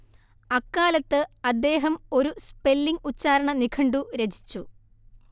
അക്കാലത്ത് അദ്ദേഹം ഒരു സ്പെല്ലിങ്ങ് ഉച്ചാരണ നിഘണ്ടു രചിച്ചു